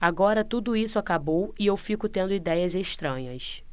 agora tudo isso acabou e eu fico tendo idéias estranhas